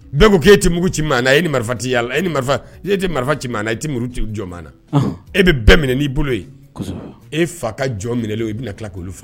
Bɛɛ ko k e te tɛ mugug ci ma na e ni marifa ci yala e ni marifa i e tɛ marifa ci ma na i tɛ muru jɔ na e bɛ bɛɛ minɛ n'i bolo ye e fa ka jɔ minɛlen i bɛna tila k'olu faga